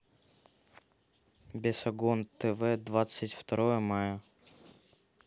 бесогон тв двадцать второе мая